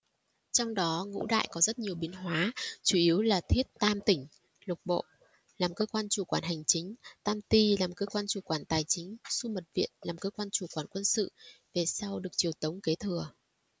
trong đó ngũ đại có rất nhiều biến hóa chủ yếu là thiết tam tỉnh lục bộ làm cơ quan chủ quản hành chính tam ty làm cơ quan chủ quản tài chính xu mật viện làm cơ quan chủ quản quân sự về sau được triều tống kế thừa